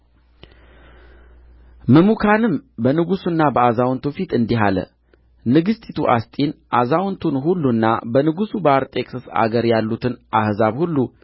ምሙካንም በንጉሡና በአዛውንቱ ፊት እንዲህ አለ ንግሥቲቱ አስጢን አዛውንቱን ሁሉና በንጉሡ በአርጤክስስ አገር ያሉትን አሕዛብ ሁሉ